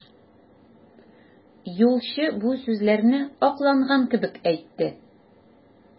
Юлчы бу сүзләрне акланган кебек әйтте.